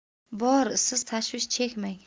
bor siz tashvish chekmang